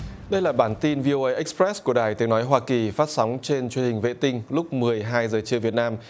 đây là bản tin vi ô ây ích rét của đài tiếng nói hoa kỳ phát sóng trên truyền hình vệ tinh lúc mười hai giờ trưa việt nam